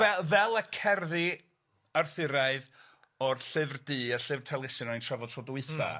Fe- fel y cerddi Arthuraidd o'r llyfr du a'r llyfr Taliesin o'n i'n trafod tro dwytha... M-hm.